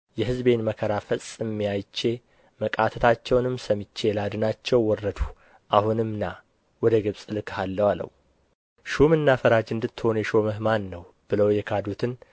የሕዝቤን መከራ ፈጽሜ አይቼ መቃተታቸውንም ሰምቼ ላድናቸው ወረድሁ አሁንም ና ወደ ግብፅ እልክሃለሁ አለው ሹምና ፈራጅ እንድትሆን የሾመህ ማን ነው ብለው የካዱትን